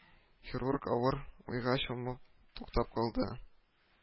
Хирург авыр уйга чумып туктап калды